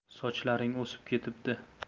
sochlaring o'sib ketibdi